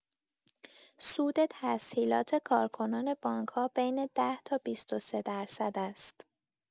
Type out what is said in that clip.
سود تسهیلات کارکنان بانک‌ها بین ۱۰ تا ۲۳ درصد است.